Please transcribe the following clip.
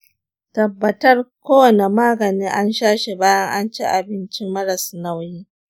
tabbatar kowane magani an shashi bayan an ci abinci maras nauyi.